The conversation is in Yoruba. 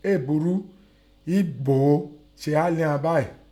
Éè burú bí Ìgbòho se hà lẹ́họ̀n báìín.